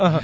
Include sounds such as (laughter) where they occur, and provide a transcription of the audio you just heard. (hesitation) (hesitation)